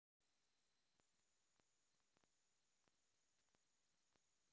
ладно ля ля тополя